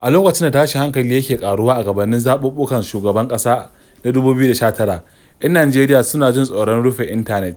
A lokacin da tashin hankalin yake ƙaruwa a gabanin zaɓuɓɓukan shugaban ƙasa na 2019, 'yan Najeriya suna jin tsoron rufe intanet.